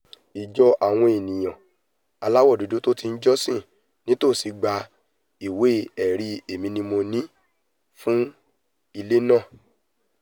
Ìjọ àwọn eniyan aláwọ dúdú tí o ti ńjọsin nítòsí gba ìwé-ẹrí èmi-ni-mo-ni fún ilé náà.